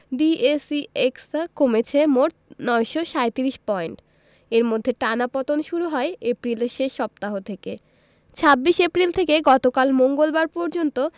DSEX কমেছে মোট ৯৩৭ point এর মধ্যে টানা পতন শুরু হয় এপ্রিলের শেষ সপ্তাহ থেকে ২৬ এপ্রিল থেকে গতকাল মঙ্গলবার পর্যন্ত